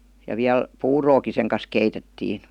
ja vielä puuroakin sen kanssa keitettiin